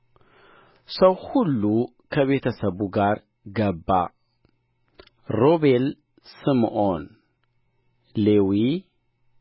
ሰው ሁሉ ከቤተ ሰቡ ጋር ገባ ሮቤል ስምዖን ሌዊ